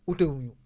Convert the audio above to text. ute wu ñu